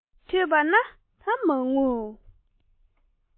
དེས ཐོས པ ནད མ ངུ